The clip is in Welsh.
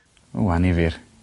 O annifyr.